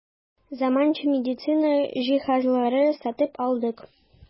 Заманча медицина җиһазлары сатып алдык.